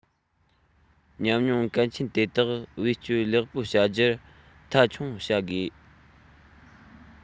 ཉམས མྱོང གལ ཆེན དེ དག བེད སྤྱོད ལེགས པོ བྱ རྒྱུ མཐའ འཁྱོངས བྱ དགོས